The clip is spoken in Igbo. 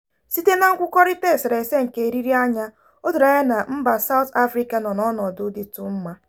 Site na nkwukorita esereese nke eriri anya, o doro anya na mba Sawụtụ Afrịka nọ n'ọnọdụ dịtụ mma.